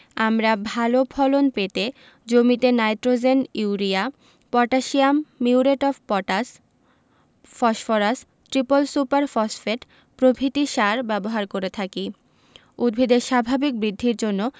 আমরা ভালো ফলন পেতে জমিতে nitrogen urea potassium muriate of potash phosphorus triple super phosphate প্রভৃতি সার ব্যবহার করে থাকি উদ্ভিদের স্বাভাবিক বৃদ্ধির জন্য